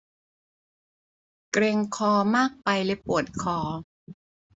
เกร็งคอมากไปเลยปวดคอ